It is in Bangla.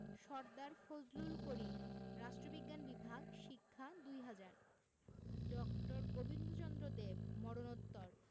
সরদার ফজলুল করিম রাষ্ট্রবিজ্ঞান বিভাগ শিক্ষা ২০০০ ড. গোবিন্দচন্দ্র দেব মরনোত্তর